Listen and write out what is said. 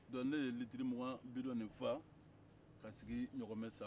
dɔnku ne ye litiri mugan bidɔn in fa k'a sigi ɲaamɛ sanfɛ